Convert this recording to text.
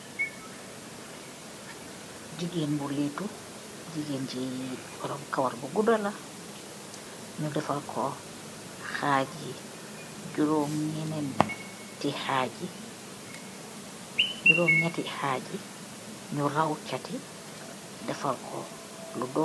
jigeen bu amm kaaraw bu gudaa teh lehtu.